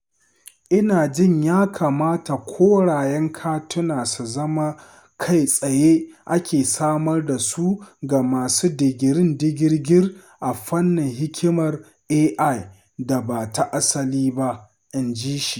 “Ina jin ya kamata korayen katina su zama kai-tsaye ake samar da su ga masu digirin-digirgir a fannin hikimar AI da ba ta asali ba,” inji shi.